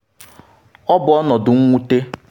Ọ bụ ọnọdụ mwute.”